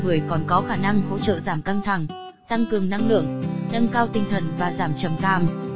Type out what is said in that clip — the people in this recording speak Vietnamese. tinh dầu bưởi còn có khả năng hỗ trợ giảm căng thẳng và tăng cường năng lượng nâng cao được tinh thần giảm trầm cảm